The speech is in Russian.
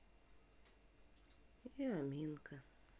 и аминка